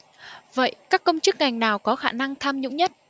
vậy các công chức ngành nào có khả năng tham nhũng nhất